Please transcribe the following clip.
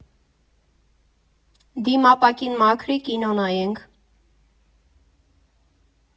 Դիմապակին մաքրի, կինո նայենք։